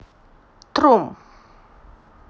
трум